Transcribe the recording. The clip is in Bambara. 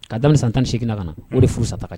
Ka daminɛ san tan ni8na ka na o de furu san ta